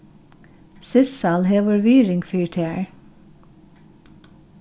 sissal hevur virðing fyri tær